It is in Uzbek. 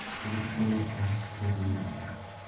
quruqqina ohista buyurdi